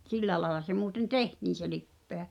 että sillä lailla se muuten tehtiin se lipeä